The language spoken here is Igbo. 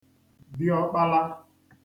diọkpala